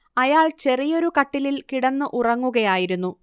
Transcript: അയാൾ ചെറിയൊരു കട്ടിലിൽ കിടന്നു ഉറങ്ങുകയായിരുന്നു